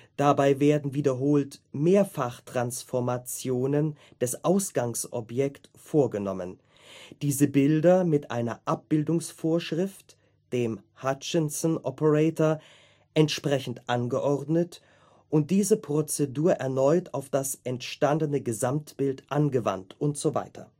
Dabei werden wiederholt Mehrfach-Transformationen des Ausgangsobjekt vorgenommen, diese Bilder mit einer Abbildungsvorschrift, dem Hutchinson-Operator, entsprechend angeordnet und diese Prozedur erneut auf das entstandene Gesamtbild angewandt usw.